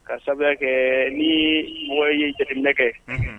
Ka sababuya kɛ ni mɔgɔw ye jeteminɛ kɛ, unhun